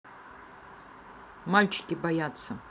мальчики боятся